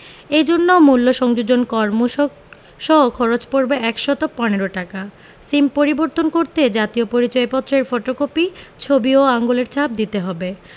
এ জন্য মূল্য সংযোজন কর মূসক সহ খরচ পড়বে ১১৫ টাকা সিম পরিবর্তন করতে জাতীয় পরিচয়পত্রের ফটোকপি ছবি ও আঙুলের ছাপ দিতে হবে